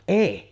ei